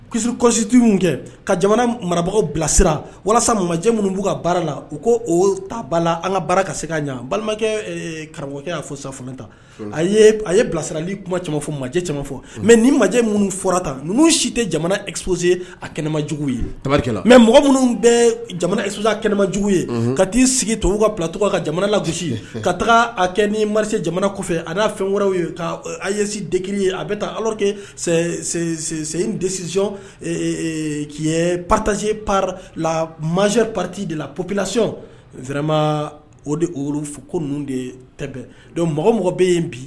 Kisi kɔsitu kɛ ka jamana marabagaw bilasira walasa majɛ minnu b'u ka baara la u ko o ta bala la an ka baara ka se ka' ɲɛ balimakɛ karamɔgɔkɛ y'a fɔ sa fana ta a a ye bilasirali kuma fɔ majɛma fɔ mɛ ni majɛ minnu fɔrata ninnuu si tɛ jamana epse a kɛnɛma jugu ye tari mɛ mɔgɔ minnu bɛ jamana esa kɛnɛma jugu ye ka'i sigi tobabu ka pcogo ka jamana latusi ka taga a kɛ ni marise jamana kɔfɛ a n'a fɛn wɛrɛw ye a yesi deki ye a bɛ taa alake desisiyɔn k'i ye patazsee pa la mae pati de la pplasiyɔnma o de fo ko ninnu de tɛmɛbɛn don mɔgɔ mɔgɔ bɛ yen bi